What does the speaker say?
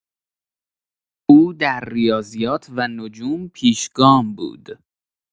او در ریاضیات و نجوم پیشگام بود.